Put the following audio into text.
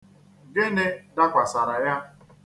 Gịnị dakwasara ya.